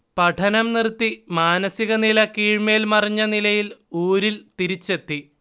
പഠനം നിർത്തി, മാനസികനില കീഴ്മേൽ മറിഞ്ഞനിലയിൽ ഊരിൽ തിരിച്ചെത്തി